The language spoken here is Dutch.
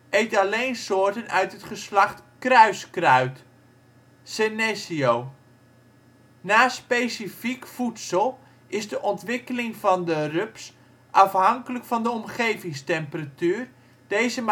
eet alleen soorten uit het geslacht kruiskruid (Senecio). Naast specifiek voedsel is de ontwikkeling van de rups afhankelijk van de omgevingstemperatuur, deze